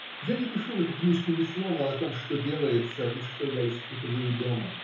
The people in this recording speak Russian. -------------- Я не пишу в эту книжку ни слова о том, что делается и что я испытываю дома.